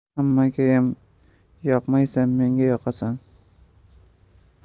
hammagayam yoqmaysan menga yoqasan